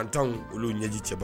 An' olu ɲɛji cɛbaba